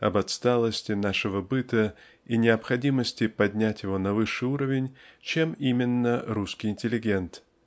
об отсталости нашего быта и необходимости поднять его на высший уровень чем именно русский интеллигент?